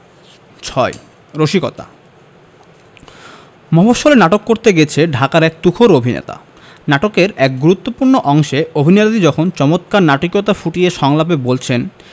০৬ রসিকতা মফশ্বলে নাটক করতে গেছে ঢাকার এক তুখোর অভিনেতা নাটকের এক গুরুত্তপূ্র্ণ অংশে অভিনেতাটি যখন চমৎকার নাটকীয়তা ফুটিয়ে সংলাপ বলছেন